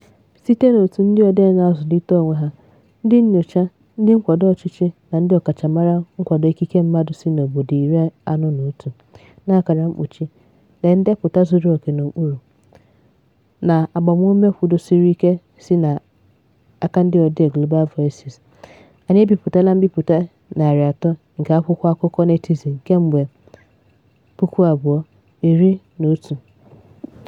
Site na òtù ndị odee na-azụlite onwe ha, ndị nnyocha, ndị nkwado ọchịchị na ndị ọkachamara nkwado ikike mmadụ sị n'obodo 41 (lee ndepụta zuru oke n'okpuru) na agbamuume kwụdosirike sị n'aka ndị odee Global Voices, anyị ebipụtala mbipụta 300 nke akwụkwọ akụkọ Netizen kemgbe 2011.